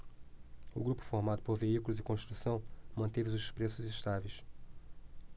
o grupo formado por veículos e construção manteve os preços estáveis